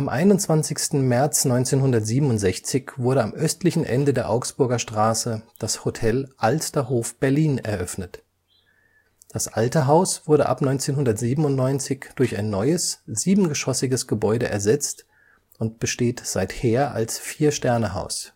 21. März 1967 wurde am östlichen Ende der Augsburger Straße das Hotel Alsterhof Berlin eröffnet. Das alte Haus wurde ab 1997 durch ein neues, siebengeschossiges Gebäude ersetzt und besteht seit her als 4-Sterne-Haus